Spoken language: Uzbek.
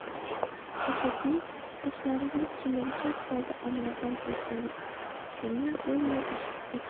xolidiy qoshlarini chimirgan holda anvarning ertagini bo'lmay eshitdi